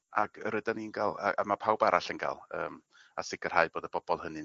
ac yr ydyn ni'n ga'l yy a ma' pawb arall yn ga'l yym a sicirhau bod y bobol hynny'n